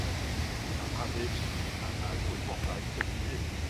yym a- addysg a a gwybodaeth y byd